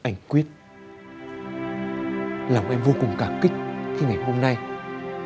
anh quyết lòng em vô cùng cảm kích khi ngày hôm nay